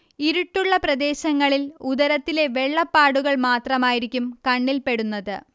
ഇരുട്ടുള്ള പ്രദേശങ്ങളിൽ ഉദരത്തിലെ വെള്ളപ്പാടുകൾ മാത്രമായിരിക്കും കണ്ണിൽപ്പെടുന്നത്